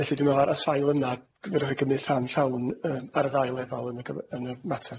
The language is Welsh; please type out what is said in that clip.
Felly dwi'n me'wl ar y sail yna, g- fedrwch chi gymyd rhan llawn yy ar y ddau lefal yn y gym- yn y matar.